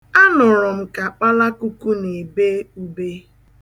Anụrụ m ka kpalakuku na-ebe ube.